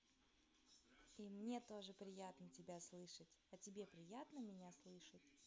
и мне тоже приятно тебя слышать а тебе приятно меня слышать